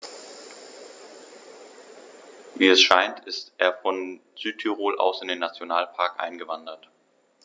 Wie es scheint, ist er von Südtirol aus in den Nationalpark eingewandert.